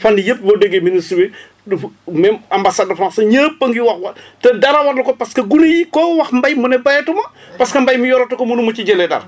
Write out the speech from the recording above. fan yii yëpp boo déggee ministre yi dafa même ambassade de France ak yëpp a ngi wax wa te dara waralu ko parce que gune yi koo wax mbéy mu ne béyatu ma parce que mbéy mi yoratu ko munuma ci jëlee dara